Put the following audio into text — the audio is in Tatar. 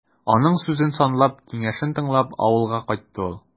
Аның сүзен санлап, киңәшен тыңлап, авылга кайтты ул.